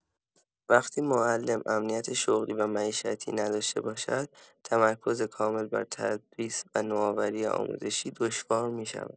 وقتی معلم امنیت شغلی و معیشتی نداشته باشد، تمرکز کامل بر تدریس و نوآوری آموزشی دشوار می‌شود.